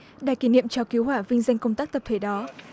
đài kỷ niệm cho cứu hỏa vinh danh công tác tập thể đó